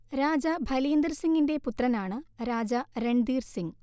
രാജാ ഭലീന്ദർ സിങ്ങിന്റെ പുത്രനാണ് രാജാ രൺധീർ സിങ്